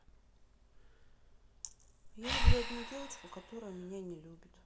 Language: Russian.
я люблю одну девочку которая меня не любит